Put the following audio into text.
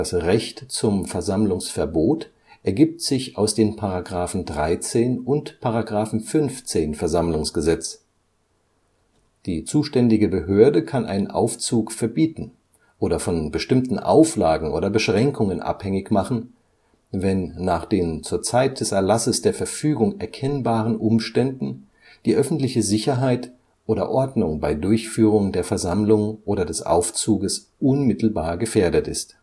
Recht zum Versammlungsverbot ergibt sich aus den § 13 und § 15 VersammlG. Die zuständige Behörde kann einen Aufzug verbieten oder von bestimmten Auflagen oder Beschränkungen abhängig machen, wenn nach den zur Zeit des Erlasses der Verfügung erkennbaren Umständen die öffentliche Sicherheit oder Ordnung bei Durchführung der Versammlung oder des Aufzuges unmittelbar gefährdet ist